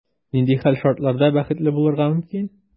Нинди хәл-шартларда бәхетле булырга мөмкин?